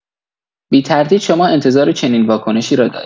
بی‌تردید شما انتظار چنین واکنشی را دارید.